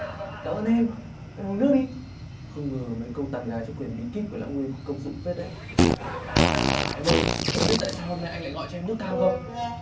cảm ơn em em uống nước đi không ngờ mấy câu tán gái trong quyển bí kíp của lão nguyên có công dụng phết đấy à em ơi em có biết tại sao hôm nay anh lại gọi cho em nước cam không